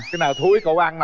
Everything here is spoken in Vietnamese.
cái nào thúi cô ăn